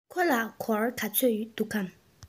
ཁོ ལ སྒོར ག ཚོད འདུག གམ